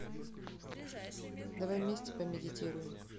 давай вместе помедитируем